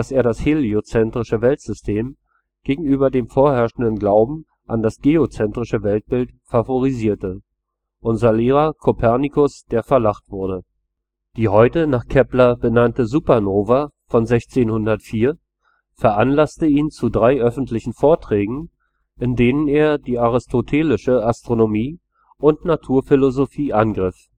er das heliozentrische Weltsystem gegenüber dem vorherrschenden Glauben an das geozentrische Weltbild favorisierte: „… unser Lehrer Copernicus, der verlacht wurde “. Die heute nach Kepler benannte Supernova von 1604 veranlasste ihn zu drei öffentlichen Vorträgen, in denen er die aristotelische Astronomie und Naturphilosophie angriff